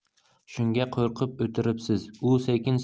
shunga qo'rqib o'tiribsiz u sekin